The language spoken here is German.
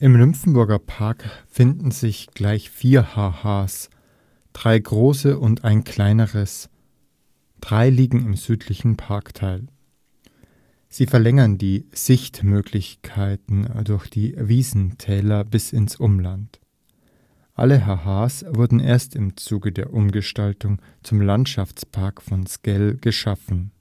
Nymphenburger Park finden sich gleich vier Ha-Has, drei große und ein kleineres, drei liegen im südlichen Parkteil. Sie verlängern die Sichtmöglichkeiten durch die Wiesentäler bis ins Umland. Alle Ha-has wurden erst im Zuge der Umgestaltung zum Landschaftspark von Sckell geschaffen